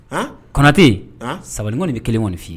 Kɔnɔtɛ sabali kɔni de bɛ kelen kɔni' i ye